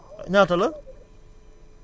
ñaata la